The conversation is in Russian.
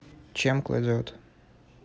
чем кладет